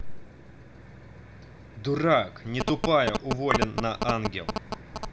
дурак не тупая уволен на ангел